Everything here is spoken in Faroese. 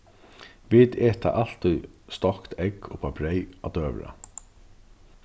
vit eta altíð stokt egg upp á breyð á døgurða